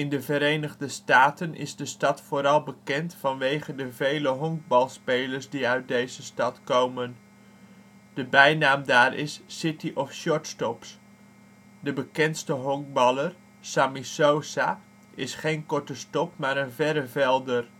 de Verenigde Staten is de stad vooral bekend vanwege de vele honkbalspelers die uit deze stad komen. De bijnaam daar is ' City of shortstops '. De bekendste honkballer, Sammy Sosa is geen korte stop, maar een verre velder